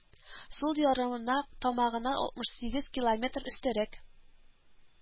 Сул ярына тамагыннан алтмыш сигез километр өстәрәк